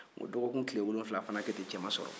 u ye dɔgɔkun tilen wolonwula fana kɛ ten cɛ ma sɔrɔ